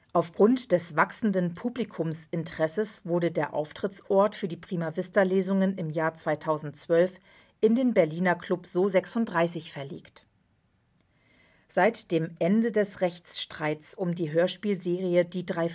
Aufgrund des wachsenden Publikumsinteresses wurde der Auftrittsort für die Prima Vista Lesungen im Jahr 2012 in den Berliner Club SO36 verlegt. Seit dem Ende des Rechtsstreits um die Hörspielserie Die drei